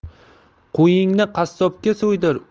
qo'yingni qassobga so'ydir